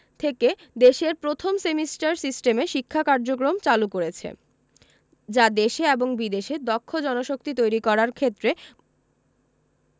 থেকে দেশের প্রথম সেমিস্টার সিস্টেমে শিক্ষা কার্যক্রম চালু করেছে যা দেশে এবং বিদেশে দক্ষ জনশক্তি তৈরি করার ক্ষেত্রে